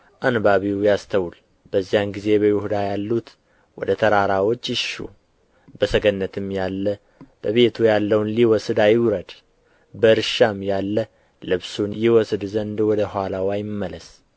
አንባቢው ያስተውል በዚያን ጊዜ በይሁዳ ያሉት ወደ ተራራዎች ይሽሹ በሰገነትም ያለ በቤቱ ያለውን ሊወስድ አይውረድ በእርሻም ያለ ልብሱን ይወስድ ዘንድ ወደ ኋላው አይመለስ